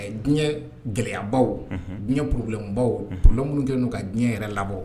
Diɲɛ gɛlɛyabaw diɲɛ porobubaw plon minnu tɛ n'u ka diɲɛ yɛrɛ labɔ